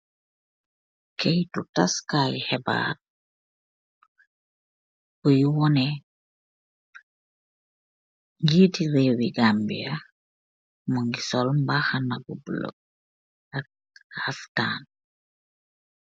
keitu tasseh kaiyuu hibarr bui woneh jitu rehwu Gambia.